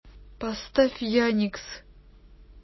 поставь яникс